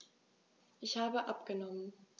Ich habe abgenommen.